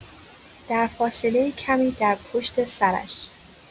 در فاصله کمی در پشت سرش